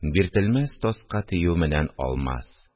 Биртелмәс таска тию менән алмас